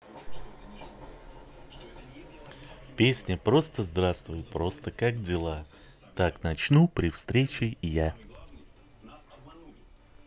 песня просто здравствуй просто как дела так начну при встрече я